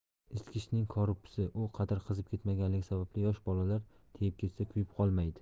isitgichning korpusi u qadar qizib ketmaganligi sababli yosh bollar tegib ketsa kuyib qolmaydi